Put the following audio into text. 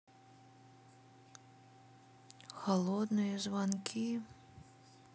холодные звонки